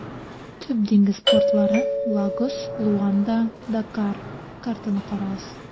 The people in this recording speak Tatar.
Төп диңгез портлары - Лагос, Луанда, Дакар (картаны карагыз).